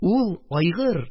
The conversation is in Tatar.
Ул айгыр!